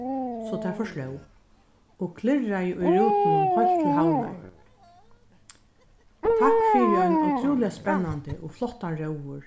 so tað forsló og klirraði í rútunum heilt til havnar takk fyri ein ótrúliga spennandi og flottan róður